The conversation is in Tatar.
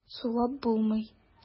Сулап булмый.